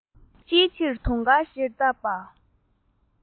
ཅིའི ཕྱིར དུང དཀར ཞེས བཏགས པ